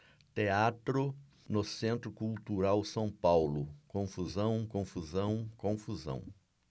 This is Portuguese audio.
teatro no centro cultural são paulo confusão confusão confusão